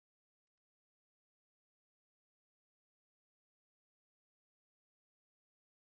«Խմե՞լ ես, մի՛ վարիր»